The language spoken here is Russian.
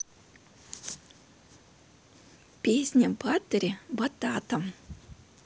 песня battery бататом